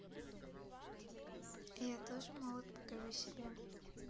я тоже молод покажи себя